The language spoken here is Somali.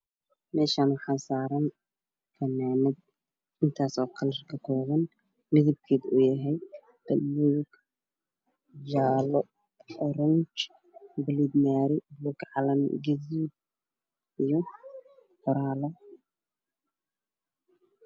Meeshaan waxaa saaran fanaanad intaas oo kalar ka kooban midabkeed uu yahay buluug jaalo orange buluug maari calan u jeedin iyo qoraalo